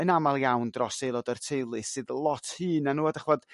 yn amal iawn dros aelod o'r teulu sydd lot hŷn na nhw a d'ch'mod